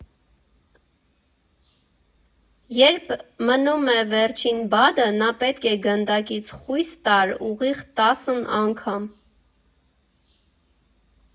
Երբ մնում էր վերջին բադը, նա պետք է գնդակից խույս տար ուղիղ տասն անգամ։